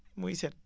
muy set